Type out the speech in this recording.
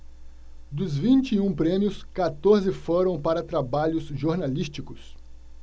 dos vinte e um prêmios quatorze foram para trabalhos jornalísticos